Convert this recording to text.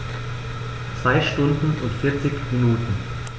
2 Stunden und 40 Minuten